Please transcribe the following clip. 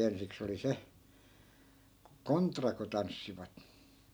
ensiksi oli se kontra kun tanssivat